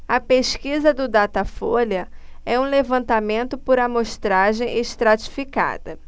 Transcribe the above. a pesquisa do datafolha é um levantamento por amostragem estratificada